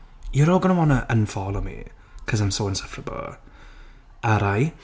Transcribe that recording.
You're all going to want to unfollow me. 'Cause I'm so insufferable. Alright?